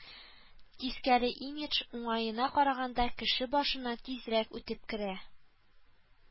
Тискәре имидж уңаена караганда кеше башына тизрәк үтеп керә